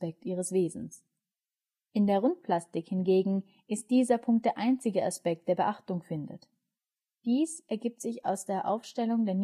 der Rundplastik hingegen ist dieser Punkt der einzige Aspekt, der Beachtung findet. Dies ergibt sich aus der Aufstellung der Nikedarstellungen als Anatheme